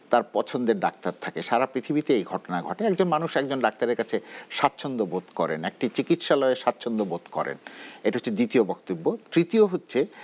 তার পছন্দের ডাক্তার থাকে সারা পৃথিবীতে এই ঘটনা ঘটে একজন মানুষ একজন ডাক্তারের কাছে স্বাচ্ছন্দ্যবোধ করেন একটি চিকিৎসালয় স্বচ্ছন্দবোধ করেন এটা হচ্ছে দ্বিতীয় বক্তব্য তৃতীয় হচ্ছে